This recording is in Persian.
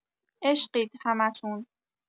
عشقید همتون